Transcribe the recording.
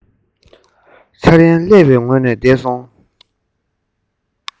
འཆར ཡན ཀླད པའི ངོས ནས འདས སོང